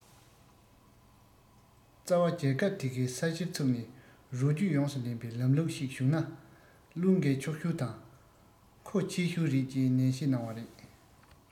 རྩ བ རྒྱལ ཁབ དེ གའི ས གཞིར ཚུགས ནས རོ བཅུད ཡོངས སུ ལེན པའི ལམ ལུགས ཤིག བྱུང ན བློས འགེལ ཆོག ཤོས དང མཁོ ཆེ ཤོས རེད ཅེས ནན བཤད གནང བ རེད